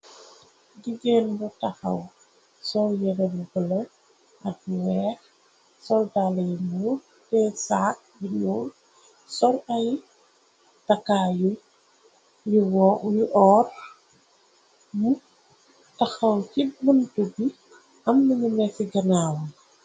Jigéen bu taxaw sol yere bu bëla ak y weex soldale yi mu tee saak biñu sol ay takaayu yu oor mu taxaw ci bëntu bi am nañu neci ganaaw.